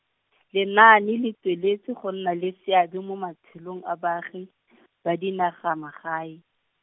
lenaane le tsweletse go nna le seabe mo matshelong a baagi, ba dinaga magae.